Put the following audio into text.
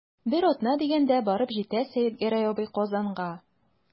Бер атна дигәндә барып җитә Сәетгәрәй абый Казанга.